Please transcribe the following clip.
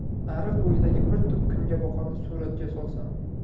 ariq bo'yidagi bir tup kungaboqarni suratga solsam